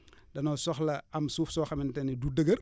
danoo soxla am suuf soo xamante ne du dëgër